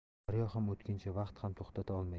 daryo ham o'tkinchi vaqt ham to'xtata olmaydi